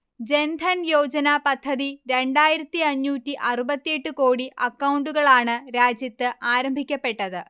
ജൻധൻയോജന പദ്ധതി രണ്ടായിരത്തി അഞ്ഞൂറ്റി അറുപത്തിയെട്ട് കോടി അക്കൗണ്ടുകളാണ് രാജ്യത്ത് ആരംഭിക്കപ്പെട്ടത്